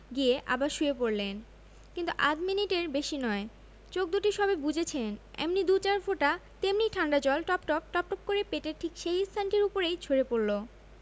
গিয়ে আবার শুয়ে পড়লেন কিন্তু আধ মিনিটের বেশি নয় চোখ দুটি সবে বুজেছেন অমনি দু চার ফোঁটা তেমনি ঠাণ্ডা জল টপটপ টপটপ কর পেটের ঠিক সেই স্থানটির উপরেই ঝরে পড়ল